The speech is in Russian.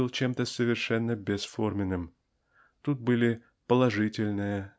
был чем-то совершенно бесформенным. То были "положительные"